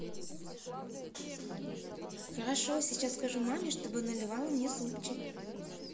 хорошо сейчас скажу маме чтобы наливала мне супчик